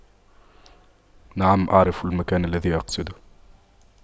نعم أعرف المكان الذي أقصده